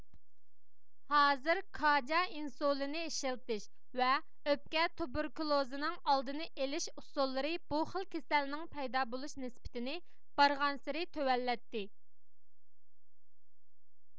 ھازىر كاجيا ئىنسۇلىنى ئىشلىتىش ۋە ئۆپكە تۇبېركۇلوزىنىڭ ئالدىنى ئېلىش ئۇسۇللىرى بۇ خىل كېسەلنىڭ پەيدا بولۇش نىسبىتىنى بارغانسېرى تۆۋەنلەتتى